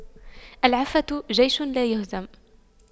العفة جيش لايهزم